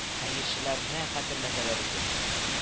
Хәерчеләрне хәтерләтәләр иде